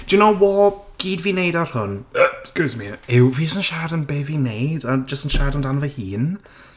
Do you know what? Gyd fi'n wneud ar hwn, Excuse me, yw fi jyst yn siarad am be fi'n wneud a jyst yn siarad amdano fy hun.